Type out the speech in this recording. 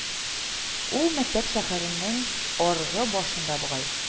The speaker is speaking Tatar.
Ул мәктәп шәһәрнең аргы башында бугай